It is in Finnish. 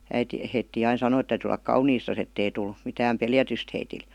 äiti heitä aina sanoi että täytyy olla kauniisti että ei tule mitään pelätystä heille